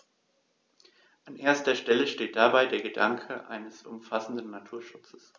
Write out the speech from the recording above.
An erster Stelle steht dabei der Gedanke eines umfassenden Naturschutzes.